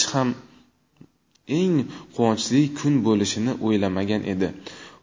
ham eng quvonchli kun bo'lishini o'ylamagan edi